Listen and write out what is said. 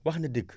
wax na dëgg